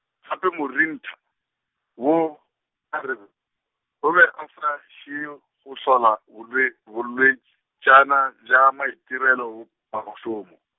gape morentha, woo kgarebe, o be a ša šie go hlola bolwe- bolwetš- -tšana bja maitirelo, go phefa -šomo.